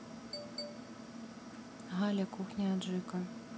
галя кухня аджика